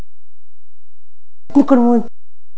بكره